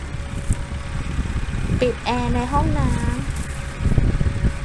ปิดแอร์ในห้องน้ำ